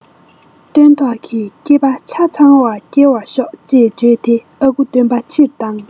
སྟོན ཐོག གི སྐེད པ ཆ ཚང བ སྐྱེལ བར ཤོག ཅེས བརྗོད དེ ཨ ཁུ སྟོན བ ཕྱིར བཏང